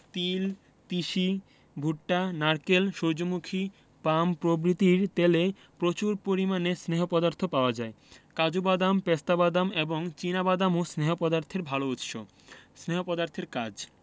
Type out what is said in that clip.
তিল তিসি ভুট্টা নারকেল সুর্যমুখী পাম প্রভৃতির তেলে প্রচুর পরিমাণে স্নেহ পদার্থ পাওয়া যায় কাজু বাদাম পেস্তা বাদাম এবং চিনা বাদামও স্নেহ পদার্থের ভালো উৎস স্নেহ পদার্থের কাজ